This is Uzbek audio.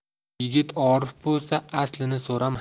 yigit orif bo'lsa aslini so'rama